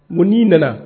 Mun'i nana